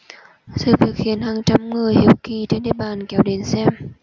sự việc khiến hàng trăm người hiếu kỳ trên địa bàn kéo đến xem